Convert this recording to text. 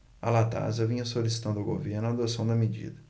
a latasa vinha solicitando ao governo a adoção da medida